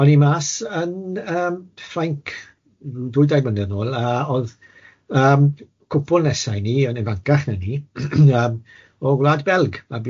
O'n i mas yn yym Ffrainc dwy, dair blynedd nôl a o'dd yym cwpwl nesa i ni yn ifancach na ni yym o Wlad Belg a buon ni'n